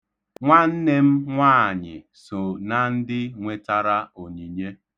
Nwanne m nwaanyị so na ndị nwetara onyinye.